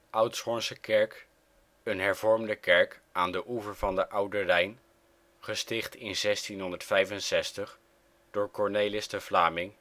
Oudshoornse kerk: Een hervormde kerk aan de oever van de Oude Rijn, gesticht in 1665 door Cornelis de Vlaming